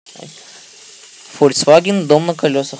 фольксваген дом на колесах